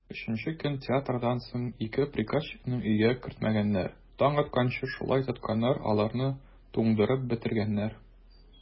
Өченче көн театрдан соң ике приказчикны өйгә кертмәгәннәр, таң атканчы шулай тотканнар, аларны туңдырып бетергәннәр.